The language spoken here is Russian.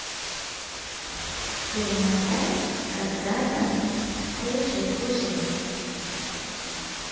перемотай когда то кушай кушай